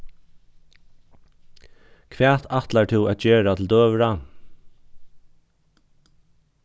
hvat ætlar tú at gera til døgurða